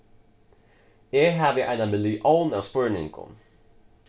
eg havi eina millión av spurningum